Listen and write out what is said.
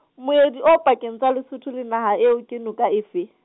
moedi o pakeng tsa Lesotho le naha eo ke noka efe?